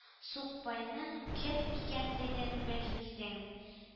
Сукбайның кем икәнлеген белмисең